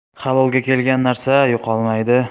halolga kelgan narsa yo'qolmaydi